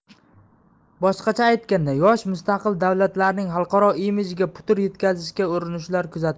boshqacha aytganda yosh mustaqil davlatlarning xalqaro imijiga putur yetkazishga urinishlar kuzatildi